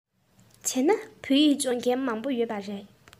བྱས ན བོད ཡིག སྦྱོང མཁན མང པོ ཡོད པ རེད